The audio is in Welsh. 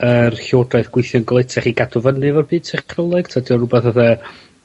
yr Llywodraeth gweithio'n galetach i gadw fyny efo'r byd technoleg, tydi o rwbeth fathe